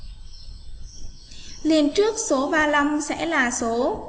liền trước số sẽ là số